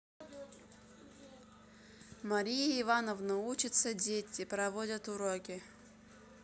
мария ивановна учиться дети проводят уроки